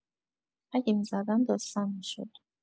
اگه می‌زدم داستان می‌شد